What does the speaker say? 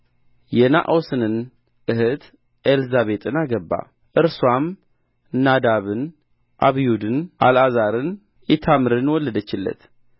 የነአሶንን እኅት ኤልሳቤጥን አገባ እርስዋም ናዳብንና አብዮድን አልዓዛርንና ኢታምርን ወለደችለት